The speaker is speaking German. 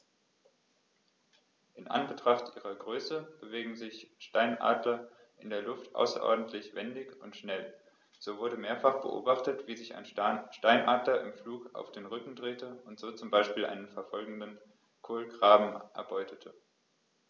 In Anbetracht ihrer Größe bewegen sich Steinadler in der Luft außerordentlich wendig und schnell, so wurde mehrfach beobachtet, wie sich ein Steinadler im Flug auf den Rücken drehte und so zum Beispiel einen verfolgenden Kolkraben erbeutete.